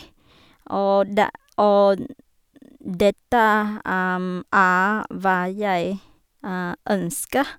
og de Og dette er hva jeg ønsker.